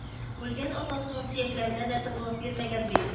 Үлгән атасының сөякләренә дә тынгылык бирмәгән бит